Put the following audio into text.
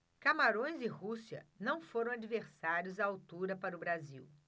camarões e rússia não foram adversários à altura para o brasil